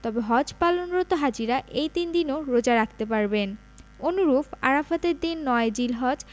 তবে হজ পালনরত হাজিরা এই তিন দিনও রোজা রাখতে পারবেন অনুরূপ আরাফাতের দিন ৯ জিলহজ